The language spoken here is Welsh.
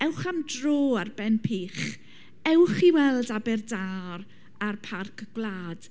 Ewch am dro ar ben Pych. Ewch i weld Aberdâr a'r parc gwlad.